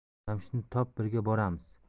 jamshidni top birga boramiz